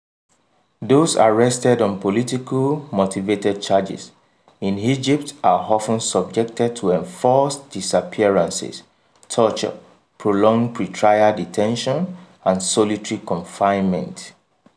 Those arrested on politically-motivated charges in Egypt are often subjected to enforced disappearances, torture, prolonged pre-trial detention and solitary confinement.